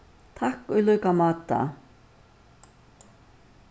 takk í líka máta